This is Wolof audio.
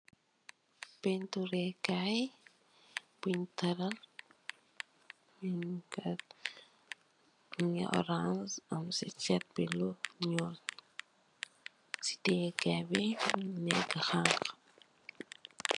a Painturre kai bun teral mongi orance am si saat bi lu nuul si tiye kai bi moneka hanha.